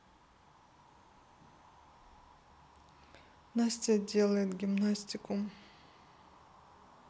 настя делает гимнастику